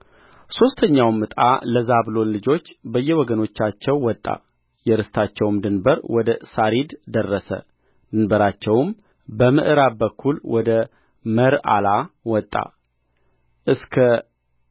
ሦስተኛውም ዕጣ ለዛብሎን ልጆች በየወገኖቻቸው ወጣ የርስታቸውም ድንበር ወደ ሣሪድ ደረሰ ድንበራቸውም በምዕራብ በኩል ወደ መርዓላ ወጣ እስከ